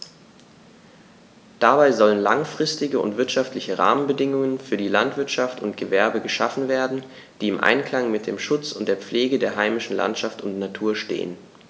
Dabei sollen langfristige und wirtschaftliche Rahmenbedingungen für Landwirtschaft und Gewerbe geschaffen werden, die im Einklang mit dem Schutz und der Pflege der heimischen Landschaft und Natur stehen.